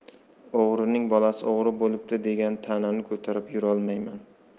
o'g'rining bolasi o'g'ri bo'libdi degan ta'nani ko'tarib yurolmayman